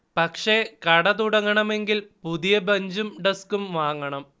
പക്ഷെ കട തുടങ്ങണമെങ്കിൽ പുതിയ ബഞ്ചും ഡസ്ക്കും വാങ്ങണം